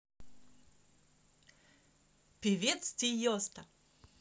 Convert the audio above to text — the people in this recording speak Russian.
певец tiësto